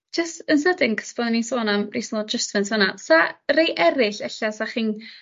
jys yn sydyn 'c'os fel o'n i'n sôn am reasonable adjustment fyna o's 'a rei eryll e'lla 'sach chi'n